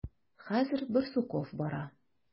Хәзер Барсуков бара.